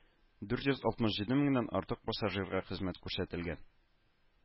Дүрт йөз алтмыш җиде меңнән артык пассажирга хезмәт күрсәтелгән